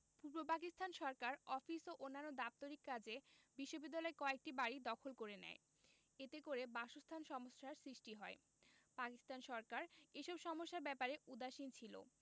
পূর্ব পাকিস্তান সরকার অফিস ও অন্যান্য দাপ্তরিক কাজে বিশ্ববিদ্যালয়ের কয়েকটি বাড়ি দখল করে নেয় এতে করে বাসস্থান সমস্যার সৃষ্টি হয় পাকিস্তান সরকার এসব সমস্যার ব্যাপারে উদাসীন ছিল